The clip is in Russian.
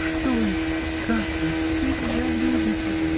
Что это как вы все меня любите!.